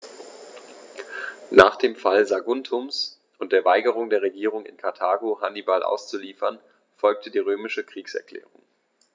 Nach dem Fall Saguntums und der Weigerung der Regierung in Karthago, Hannibal auszuliefern, folgte die römische Kriegserklärung.